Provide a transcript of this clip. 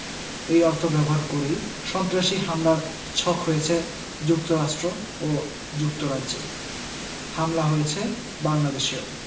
এই অর্থ ব্যবহার করেই সন্ত্রাসী হামলার ছক হয়েছে যুক্তরাষ্ট্র ও যুক্তরাজ্যে হামলা হয়েছে বাংলাদেশেও